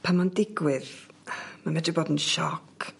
pan m' o'n digwydd ma' medru bod yn sioc.